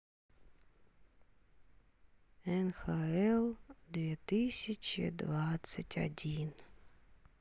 нхл две тысячи двадцать один